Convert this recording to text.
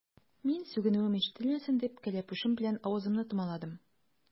Мин, сүгенүем ишетелмәсен дип, кәләпүшем белән авызымны томаладым.